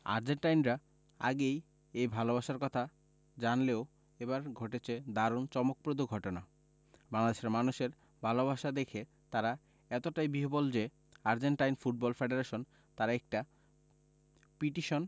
আর্জেন্টাইনরা আগেই এই ভালোবাসার কথা জানলেও এবার ঘটেছে দারুণ চমকপ্রদ ঘটনা বাংলাদেশের মানুষের ভালোবাসা দেখে তারা এতটাই বিহ্বল যে আর্জেন্টাইন ফুটবল ফেডারেশন তারা একটা পিটিশন